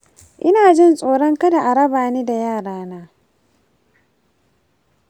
ina jin tsoro kada a raba ni da yarana.